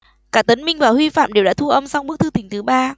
cả tấn minh và huy phạm đều đã thu âm xong bức thư tình thứ ba